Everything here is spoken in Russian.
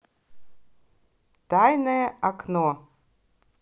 тайное окно